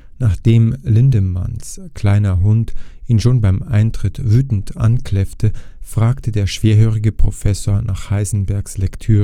Nachdem Lindemanns kleiner Hund ihn schon beim Eintritt wütend ankläffte, fragte der schwerhörige Professor nach Heisenbergs Lektüre